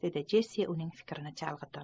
dedi jessi uning fikrini chalg'itib